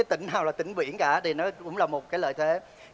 tỉnh nào là tỉnh biển cả thì nó cũng là một cái lợi thế